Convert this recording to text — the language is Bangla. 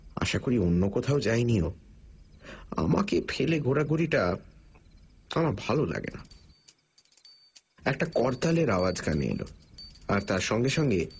আশা করি অন্য কোথাও যায়নি ও আমাকে ফেলে ঘোরাঘুরিটা আমার ভাল লাগে না একটা করতালের আওয়াজ কানে এল আর তার সঙ্গে সঙ্গে